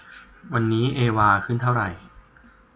วันนี้เอวาขึ้นเท่าไหร่